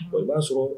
O b'a sɔrɔ